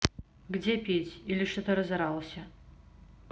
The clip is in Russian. где пить или что то разорался